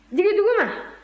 jigin dugu ma